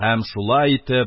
Һәм, шулай итеп,